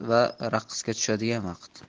va raqsga tushadigan vaqt